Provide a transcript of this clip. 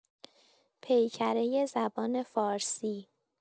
پیکره زبان فارسی